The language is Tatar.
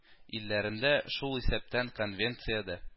Илләрендә, шул исәптән конвенциядә